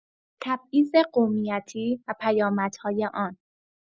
تبعیض قومیتی و پیامدهای آن